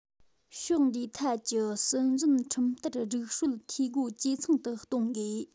ཕྱོགས འདིའི ཐད ཀྱི སྲིད འཛིན ཁྲིམས བསྟར སྒྲིག སྲོལ འཐུས སྒོ ཇེ ཚང དུ གཏོང དགོས